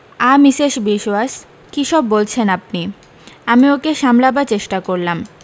আ Mrs Biswas কী সব বলছেন আপনি আমি ওকে সামলাবার চেষ্টা করলাম